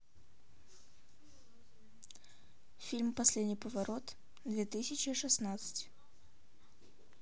фильм последний поворот две тысячи шестнадцать